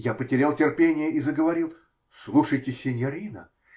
Я потерял терпение и заговорил: -- Слушайте, синьорина.